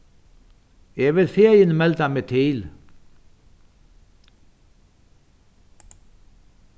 eg vil fegin melda meg til